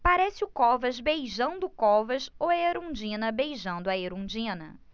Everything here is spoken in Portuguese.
parece o covas beijando o covas ou a erundina beijando a erundina